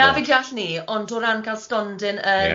Na fi'n deall 'ny, ond o ran cael stondin yn